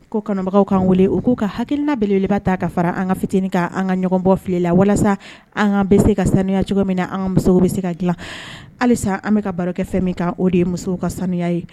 Ko kɔnɔbagaw kan wele u k'u ka hakilina beleliba' ta ka fara an ka fitinin ka an ka ɲɔgɔn bɔ fili la walasa an bɛ se ka sanuya cogo min na an ka musow bɛ se ka dila halisa an bɛka ka barokɛ fɛn min kan o de ye musow ka sanu ye